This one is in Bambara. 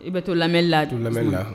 I bɛ taa lala donla